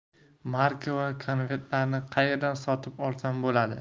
marka va konvertlarni qayerdan sotib olsam bo'ladi